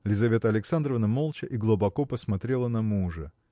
Лизавета Александровна молча и глубоко посмотрела на мужа.